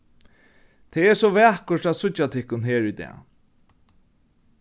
tað er so vakurt at síggja tykkum her í dag